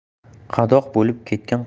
qadoq bo'lib ketgan